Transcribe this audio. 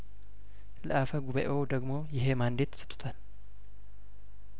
ለአፈ ጉባኤው ደግሞ ይሄ ማንዴት ተሰጥቷል